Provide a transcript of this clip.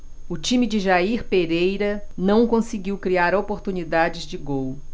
o time de jair pereira não conseguia criar oportunidades de gol